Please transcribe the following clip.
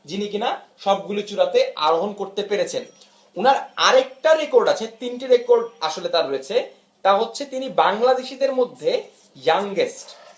যিনি কিনা সবগুলো চূড়াতে আরোহন করতে পেরেছেন উনার আরেকটা রেকর্ড আছে তিনটা রেকর্ড আসলে তার রয়েছে তা হচ্ছ তিনি বাংলাদেশীদের মধ্যে ইয়াংয়েস্ট